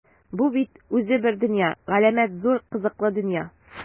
Бу бит үзе бер дөнья - галәмәт зур, кызыклы дөнья!